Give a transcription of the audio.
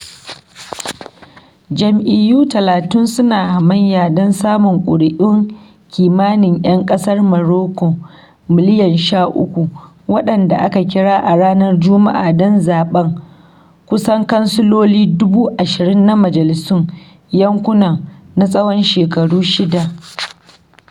Jam’iyyu talatin suna hamayya don samun ƙuri’un kimanin ‘yan ƙasar Morocco miliyan 13 waɗanda aka kira a ranar Juma’a don zaɓen kusan kansiloli 20,000 na majalisun yankuna na tsawon shekaru shida.